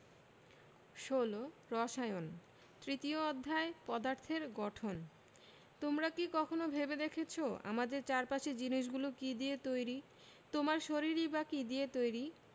১৬ রসায়ন তৃতীয় অধ্যায় পদার্থের গঠন তোমরা কি কখনো ভেবে দেখেছ আমাদের চারপাশের জিনিসগুলো কী দিয়ে তৈরি তোমার শরীরই বা কী দিয়ে তৈরি